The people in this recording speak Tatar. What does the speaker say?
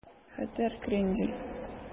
Хәтәр крендель